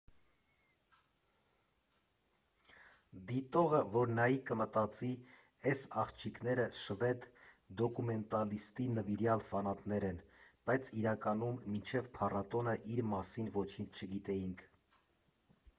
Դիտողը որ նայի, կմտածի՝ էս աղջիկները շվեդ դոկումենտալիստի նվիրյալ ֆանատներ են, բայց իրականում մինչև փառատոնը իր մասին ոչինչ չգիտեինք։